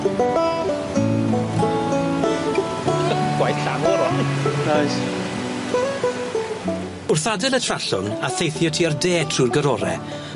Gwaith llanw ar 'on 'di? Oes. Wrth ad'el y Trallwng a theithio tua'r de trw'r gorore